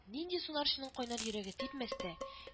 Нинди сунарчының кайнар йөрәге типмәс тә